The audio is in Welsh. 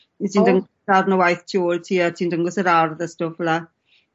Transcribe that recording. Wyt ti'n dang- darn o waith tu ôl ti a ti'n dangos yr ardd y stwff fel 'a.